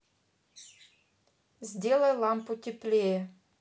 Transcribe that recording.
сделай лампу теплее